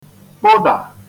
-kpụdà